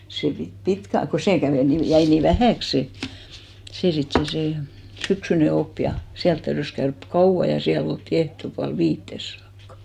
se piti pitkään kun se kävi niin jäi niin vähäksi se se sitten se se syksyinen oppi ja siellä täytyi käydä kauan ja siellä oltiin ehtoopuoli viiteen saakka